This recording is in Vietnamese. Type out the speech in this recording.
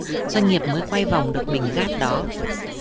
doanh nghiệp mới quay vòng được bình gas đó